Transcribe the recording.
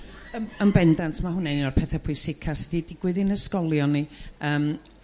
Yn yn bendant ma' hwnna'n un o'r pethe pwysica sy 'di digwydd i'n ysgolion ni yrm.